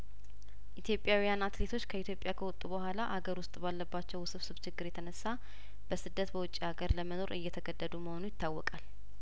ኢትዮጵያዊያን አትሌቶች ከኢትዮጵያ ከወጡ በኋላ ሀገር ውስጥ ባለባቸው ውስብስብ ችግር የተነሳ በስደት በውጪ ሀገር ለመኖር እየተገደዱ መሆኑ ይታወቃል